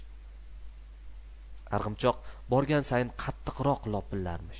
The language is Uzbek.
arg'imchoq borgan sayin qatiqroq lopillarmish